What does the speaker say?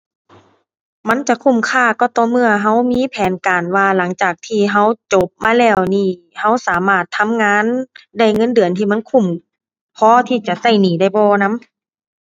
มันจะคุ้มค่าก็ต่อเมื่อเรามีแผนการว่า หลังจากที่เราจบมาแล้วนี้ เราสามารถทำงาน ได้เงินเดือนที่มันคุ้มพอที่จะเราหนี้ได้บ่นำ